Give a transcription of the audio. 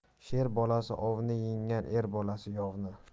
sher bolasi ovni yengar er bolasi yovni